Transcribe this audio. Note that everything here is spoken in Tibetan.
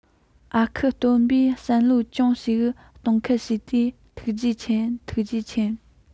ཨ ཁུ སྟོན པས བསམ བློ ཅུང ཞིག གཏོང ཁུལ བྱས ཏེ ཐུགས རྗེ ཆེ ཐུགས རྗེ ཆེ